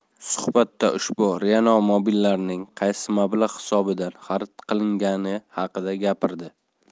suhbatda ushbu reanomobillarning qaysi mablag' hisobidan xarid qilingani haqida gapirdi